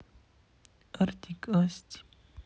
артик асти